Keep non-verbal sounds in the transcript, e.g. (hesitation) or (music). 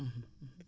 (hesitation) (hesitation)